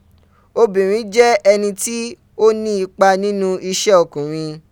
Obinrin je eniti o ni ipa ninu ise okunrin.